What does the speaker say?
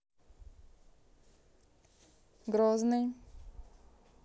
грозный